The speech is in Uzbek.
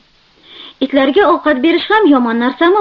itlarga ovqat berish ham yomon narsami